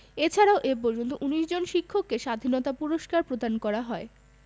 এছাড়াও এ পর্যন্ত ১৯ জন শিক্ষককে স্বাধীনতা পুরস্কার প্রদান করা হয়